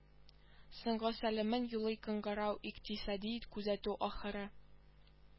Соңгы сәламен юллый кыңгырау икътисади күзәтү ахыры